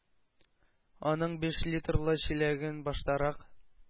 Аның биш литрлы чиләген баштарак